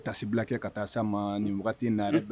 Tasibila kɛ ka taa sa ma nin waati in na